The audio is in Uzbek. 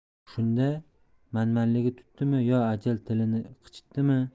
shunda manmanligi tutdimi yo ajal tilini qichitdimi